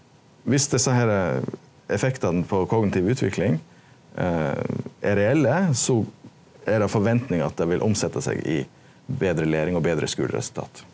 viss desse her effektane på kognitiv utvikling er reelle so er det forventningar at det vil omsette seg i betre læring og betre skuleresultat.